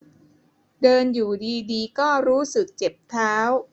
เดินอยู่ดีดีก็รู้สึกเจ็บเท้า